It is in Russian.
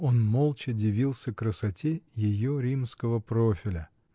Он молча дивился красоте ее римского профиля.